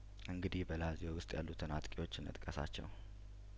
እንግዲህ በላዚዮ ውስጥ ያሉትን አጥቂዎች እንጥቀ ስላቸው